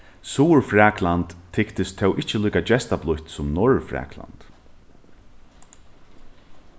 suðurfrakland tyktist tó ikki líka gestablítt sum norðurfrakland